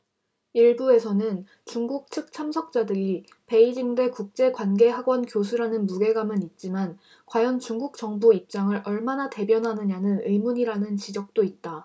일부에서는 중국 측 참석자들이 베이징대 국제관계학원 교수라는 무게감은 있지만 과연 중국 정부 입장을 얼마나 대변하느냐는 의문이라는 지적도 있다